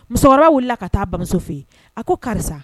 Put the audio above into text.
Musokɔrɔba wulila ka ta'a bamuso fɛ yen, a ko karisa